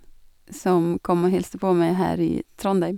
Som kom og hilste på meg her i Trondheim.